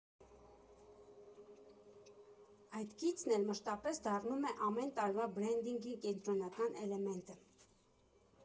Այդ գիծն էլ մշտապես դառնում է ամեն տարվա բրենդինգի կենտրոնական էլեմենտը։